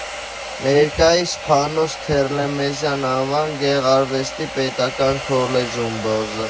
Ներկայիս Փանոս Թերլեմեզյան անվան գեղարվեստի պետական քոլեջում։